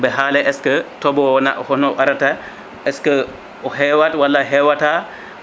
ɓe haale est ce que tooɓe na hono arata est ce o heewat walla hewata